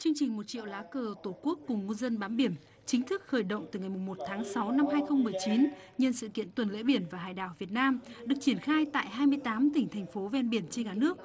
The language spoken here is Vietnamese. chương trình một triệu lá cờ tổ quốc cùng ngư dân bám biển chính thức khởi động từ ngày mùng một tháng sáu năm hai không mười chín nhân sự kiện tuần lễ biển và hải đảo việt nam được triển khai tại hai mươi tám tỉnh thành phố ven biển trên cả nước